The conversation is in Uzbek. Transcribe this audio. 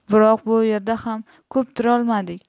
biroq bu yerda ham ko'p turolmadik